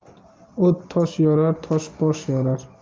o't tosh yorar tosh bosh yorar